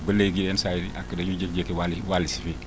ba léegi yenn saa yi ak dañuy jékki-jékki wàlli wàlli si fii